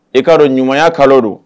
E'a dɔn ɲumanya kalo don